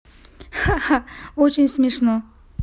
ха ха очень смешно